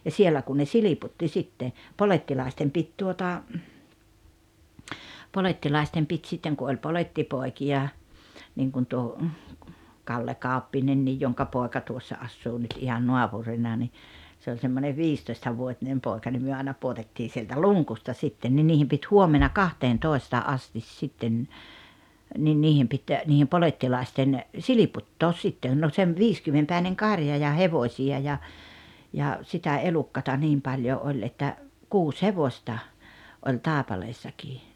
ja siellä kun ne silputtiin sitten polettilaisten piti tuota polettilaisten piti sitten kun oli polettipoikia niin kuin tuo Kalle Kauppinen jonka poika tuossa asuu nyt ihan naapurina niin se oli semmoinen viistoistavuotinen poika niin me aina pudotettiin sieltä luukusta sitten niin niiden piti huomenna kahteentoista asti sitten niin niiden piti niiden polettilaisten silputtaa sitten no - viisikymmenpäinen karja ja hevosia ja ja sitä elukkaa niin paljon oli että kuusi hevosta oli Taipaleessakin